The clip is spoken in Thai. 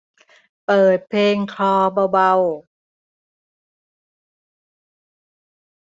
เปิดเพลงคลอเบาเบา